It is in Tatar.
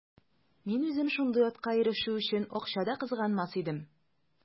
Мин үзем шундый атка ирешү өчен акча да кызганмас идем.